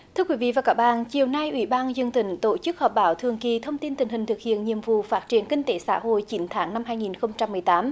thưa quý vị và các bạn chiều nay ủy ban chương trình tổ chức họp báo thường kỳ thông tin tình hình thực hiện nhiệm vụ phát triển kinh tế xã hội chín tháng năm hai nghìn không trăm mười tám